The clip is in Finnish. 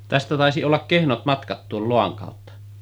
Tästä taisi olla kehnot matkat tuon Loan kautta